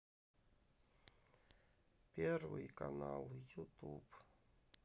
первый канал ютуб